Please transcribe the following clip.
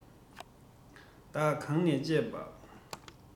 བདག གང ནས ཆས པ